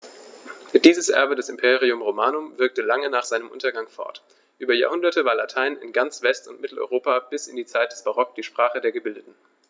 Dieses Erbe des Imperium Romanum wirkte lange nach seinem Untergang fort: Über Jahrhunderte war Latein in ganz West- und Mitteleuropa bis in die Zeit des Barock die Sprache der Gebildeten.